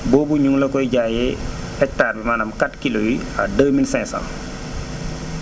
boobu ñu ngi la koy jaayee hectare bi maanaam 4 kilos yi ) 2500